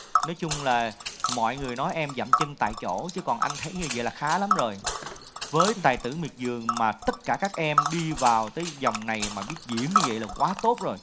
nói chung là mọi người nói em dậm chân tại chỗ chứ còn anh thấy như vậy là khá lắm rồi với tài tử miệt vườn mà tất cả các em đi vào tới vòng này mà biết diễn như vậy là quá tốt rồi